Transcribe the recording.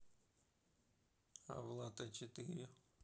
а влад а четыре